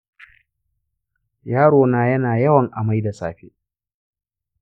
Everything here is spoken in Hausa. yarona yana yawan amai da safe.